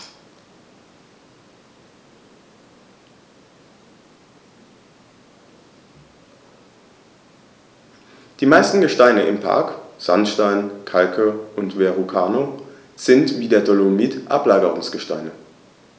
Die meisten Gesteine im Park – Sandsteine, Kalke und Verrucano – sind wie der Dolomit Ablagerungsgesteine.